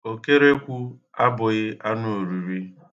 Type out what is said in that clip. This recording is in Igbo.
Okerekwu abụghị anụ oriri.